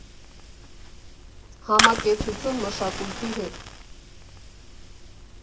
Համակեցություն մշակույթի հետ։